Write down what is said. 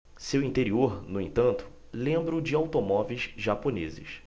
seu interior no entanto lembra o de automóveis japoneses